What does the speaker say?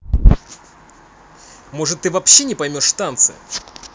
может ты вообще не поймешь танцы